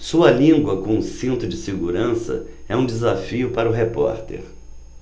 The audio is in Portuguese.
sua língua com cinto de segurança é um desafio para o repórter